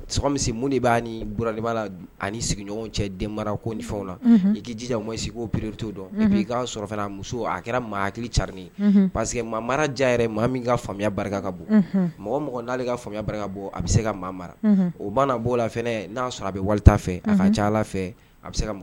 Minnu de b'a nili la ani sigiɲɔgɔn cɛ den mara ko ni fɛnw na i' jija i pereiri to dɔn a b bɛ sɔrɔ muso a kɛra maa hakili carinani ye pa parce que maama ja yɛrɛ mɔgɔ min ka faya barika ka bon mɔgɔ mɔgɔɔgɔn n'ale ka faamuyaya barika bon a bɛ se ka maa mara o mana'o la n'a sɔrɔ a bɛ wari t' fɛ a ka ca fɛ a bɛ se ka